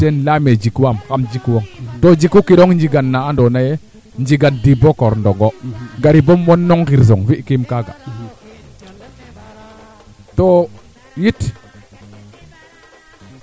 bo teɓake ando anye ten i yaakara no ndiing ne i mbaxtaana teen moyu no kee xotoona no walu ax keene yiin jafe jafe fee yiin me i ndokaa rek Grand Ndane ten refu a coté kee ando naye ten refu ANACIM